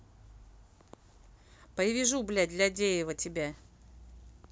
привяжу блять для дерева тебя